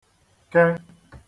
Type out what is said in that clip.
ke